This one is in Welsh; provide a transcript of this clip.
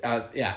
a ia